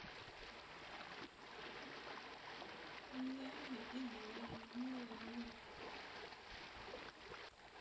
милана и даня милана